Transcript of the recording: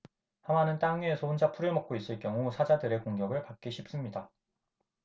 하마는 땅 위에서 혼자 풀을 먹고 있을 경우 사자들의 공격을 받기 쉽습니다